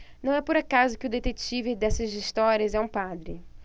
não é por acaso que o detetive dessas histórias é um padre